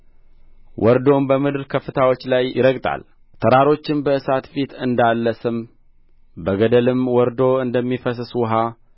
ወርዶም በምድር ከፍታዎች ላይ ይረግጣል ተራሮችም በእሳት ፊት እንዳለ ሰም በገደልም ወርዶ እንደሚፈስስ ውኃ